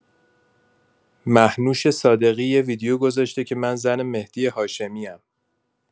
مهنوش صادقی یه ویدیو گذاشته که من زن مهدی هاشمی‌ام.